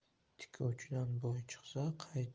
tikuvchidan boy chiqsa